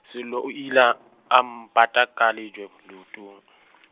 Sello o ile, a mpata ka lejwe, leotong.